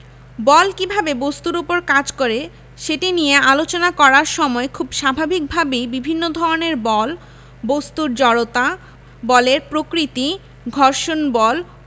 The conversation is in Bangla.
বল কীভাবে বস্তুর উপর কাজ করে সেটি নিয়ে আলোচনা করার সময় খুব স্বাভাবিকভাবেই বিভিন্ন ধরনের বল বস্তুর জড়তা বলের প্রকৃতি ঘর্ষণ বল